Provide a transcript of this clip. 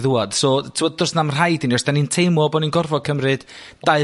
ddŵad so, t'mod, do's na'm rhaid i ni, os 'dan ni'n teimlo bo' ni'n gorfod cymryd dau